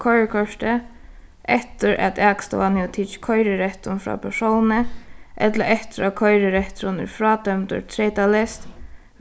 koyrikorti eftir at akstovan hevur tikið koyrirættin frá persóni ella eftir at koyrirætturin er frádømdur treytaleyst